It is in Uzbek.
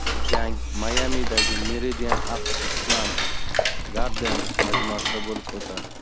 jang mayamidagi meridian at island gardens majmuasida bo'lib o'tadi